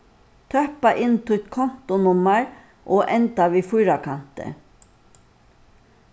tøppa inn títt kontunummar og enda við fýrakanti